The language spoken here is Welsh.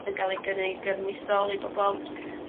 yn ga'l ei gynnig yn misol i bobol.